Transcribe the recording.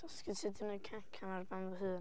Dysgu sut i wneud cacen ar ben fy hun.